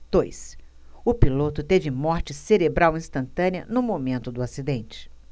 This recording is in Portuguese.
dois o piloto teve morte cerebral instantânea no momento do acidente